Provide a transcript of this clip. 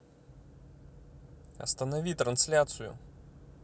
останови трансляцию